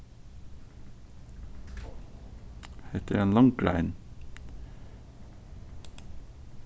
hetta er ein long grein